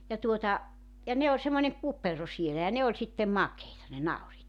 ja tuota ja ne oli semmoinen kupero siellä ja ne oli sitten makeita ne nauriit